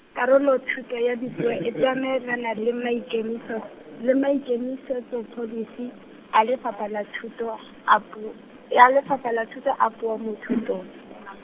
karolo thuto ya dipuo e tsamaelana le maikemiso-, le maikemisetso pholisi, a Lefapha la Thuto, a pu-, a Lefapha la Thuto a puo mo thutong .